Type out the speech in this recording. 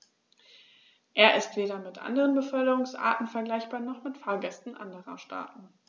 Er ist weder mit anderen Beförderungsarten vergleichbar, noch mit Fahrgästen anderer Staaten.